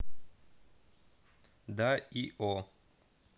да и о